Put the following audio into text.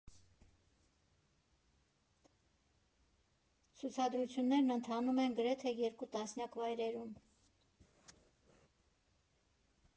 Ցուցադրություններն ընթանում են գրեթե երկու տասնյակ վայրերում։